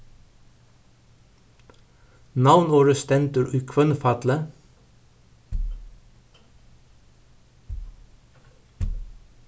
navnorðið stendur í hvønnfalli